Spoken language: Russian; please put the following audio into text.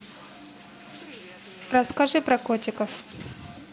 расскажи про котиков